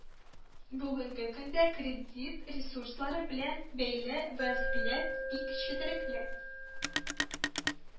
Бүгенге көндә кредит ресурслары белән бәйле вәзгыять бик четерекле